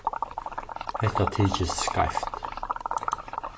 hetta tykist skeivt